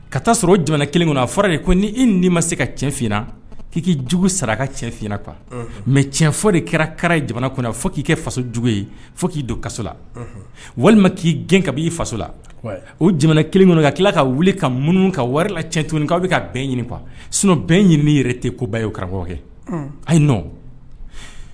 Ka taa sɔrɔ jamana kelen kɔnɔ a fɔra ni i n'i ma se ka cɛnfinina k'i k'i jugu saraka cɛnfin ta mɛ cɛn fɔ de kɛra kɛra jamana kɔnɔ fo k'i kɛ faso jugu ye fo k'i don kala walima k'i gɛn ka i faso la o jamana kelen kɔnɔ ka tila ka weele ka mun ka wari la cɛ tuguni aw bɛ ka bɛn ɲini kuwa sunɔ bɛn ɲini i yɛrɛ tɛ ko ba ye o karamɔgɔ kɛ ayi n nɔ